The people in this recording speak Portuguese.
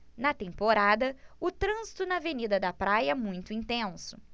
na temporada o trânsito na avenida da praia é muito intenso